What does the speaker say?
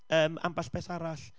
Yym. Ambell beth arall,